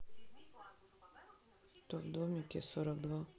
кто в домике сорок два